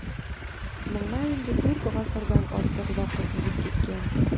Моңа инде дүрт гасырдан артык вакыт узып киткән.